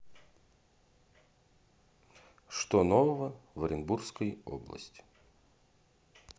что нового в оренбургской области